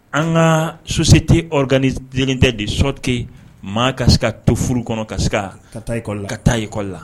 An ka sosi tɛ kani deni tɛ de sɔ ten maa ka se ka to furu kɔnɔ ka se ka taakɔ la ka taa ikɔli